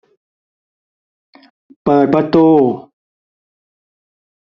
เปิดประตู